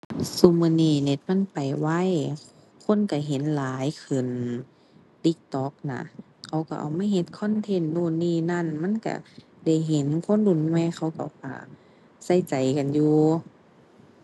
ซุมื้อนี้เน็ตมันไปไว คนก็เห็นหลายขึ้น TikTok น่ะ เขาก็เอามาเฮ็ดคอนเทนต์นู้นนี่นั่นมันก็ ได้เห็นคนรุ่นใหม่เขาก็ อ่า ใส่ใจกันอยู่